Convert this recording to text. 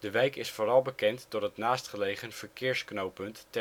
wijk is vooral bekend door het naastgelegen verkeersknooppunt